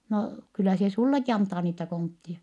no kyllä se sinullekin antaa niitä kontteja